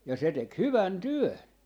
ja se teki hyvän työn